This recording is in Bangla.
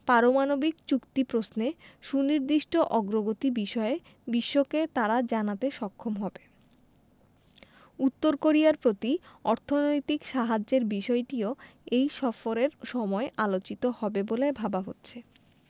পারমাণবিক চুক্তি প্রশ্নে সুনির্দিষ্ট অগ্রগতি বিষয়ে বিশ্বকে তারা জানাতে সক্ষম হবে উত্তর কোরিয়ার প্রতি অর্থনৈতিক সাহায্যের বিষয়টিও এই সফরের সময় আলোচিত হবে বলে ভাবা হচ্ছে